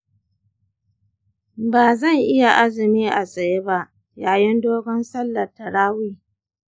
ba zan iya azumi a tsaye ba yayin dogon sallar taraweeh.